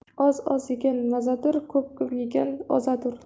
oz oz yegan mazadur ko'p ko'p yegan ozadur